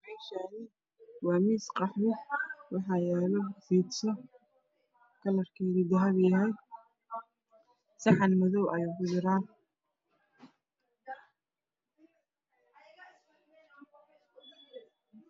Meshani waa miis qaxwiya waxaa yalo bidse kalrakeedu dahabi yahay saxan madoow ayeey ku jira